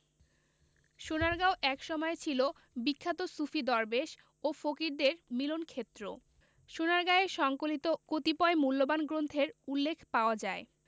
সোনারগাঁও এক সময়ে ছিল বিখ্যাত সুফি দরবেশ ও ফকিরদের মিলনক্ষেত্র সোনারগাঁয়ে সংকলিত কতিপয় মূল্যবান গ্রন্থের উল্লেখ পাওয়া যায়